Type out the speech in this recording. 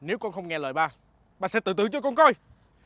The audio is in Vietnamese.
nếu con không nghe lời ba ba sẽ tự tử cho con coi